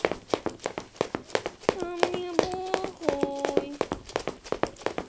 а мне похуй